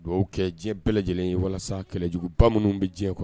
Dɔw kɛ diɲɛ bɛɛ lajɛlen ye walasa kɛlɛjugu bamananw bɛ diɲɛ kɔnɔ